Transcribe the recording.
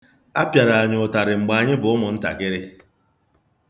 A pịara anyị ụtarị mgbe anyị bụ ụmụntakịrị.